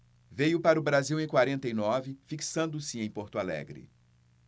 veio para o brasil em quarenta e nove fixando-se em porto alegre